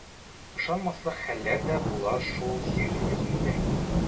Ышанмаслык хәлләр дә була шул җир йөзендә.